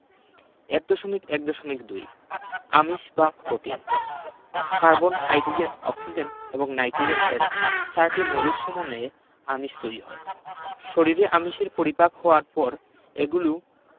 ১.১.২ আমিষ বা protein carbon hydrogen oxygen এবং নাইট্রোজেন এ চারটি মৌলের সমন্বয়ে আমিষ তৈরি হয় শরীরে আমিষ পরিপাক হওয়ার পর এগুলো